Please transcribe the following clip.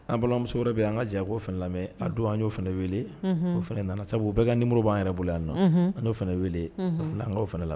An balimalɔmuso bɛ anan ka janko fana lamɛn a don an y'o fana wele o fana nana sabu u bɛ ka ni muruuru b'an yɛrɛ bolo yan nɔ an'o fana wele an la